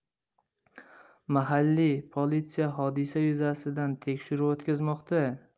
mahalliy politsiya hodisa yuzasidan tekshiruv o'tkazmoqda